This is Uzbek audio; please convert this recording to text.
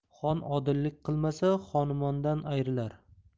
xon odillik qilmasa xonumondan ayrilar